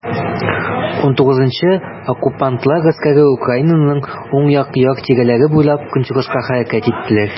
XIX Оккупантлар гаскәре Украинаның уң як яр тигезлекләре буйлап көнчыгышка хәрәкәт иттеләр.